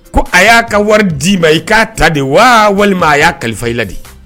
Ko a y'a ka wari d'i ma i k'a ta de wa walima a y'a kalifa i la de.